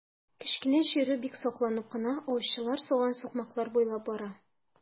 Кечкенә чирү бик сакланып кына аучылар салган сукмаклар буйлап бара.